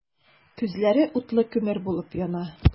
Күзләре утлы күмер булып яна.